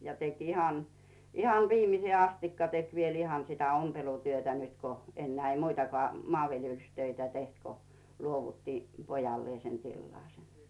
ja teki ihan ihan viimeiseen asti teki vielä ihan sitä ompelutyötä nyt kun enää ei muitakaan maanviljelystöitä tehty kun luovutti pojalleen sen tilansa